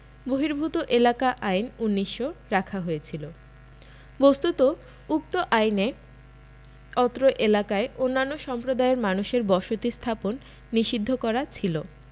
বহির্ভূত এলাকা আইন ১৯০০ রাখা হয়েছিল বস্তুত উক্ত আইনে অত্র এলাকায় অন্যান্য সম্প্রদায়ের মানুষের বসতী স্থাপন নিষিদ্ধ করা ছিল